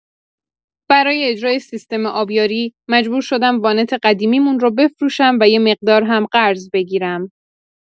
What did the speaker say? برای اجرای سیستم آبیاری، مجبور شدم وانت قدیمی‌مون رو بفروشم و یه مقدار هم قرض بگیرم.